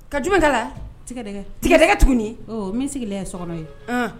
Ka j ta lagɛ tuguni min sigilen so ye